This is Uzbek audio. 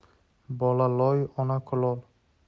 bola loy ona kulol